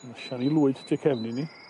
Ma Siani Lwyd tu cefn i ni.